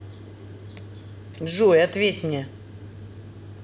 джой ответь мне